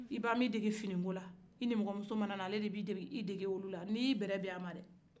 e ba ma i dege finikola i nimɔgɔmuso manana ale de bɛ i dege olula ni i ye bɛrɛ bɛ a ma dɛ